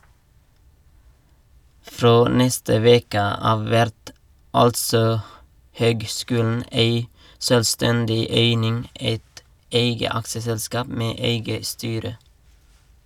Frå neste veke av vert altså høgskulen ei sjølvstendig eining , eit eige aksjeselskap med eige styre.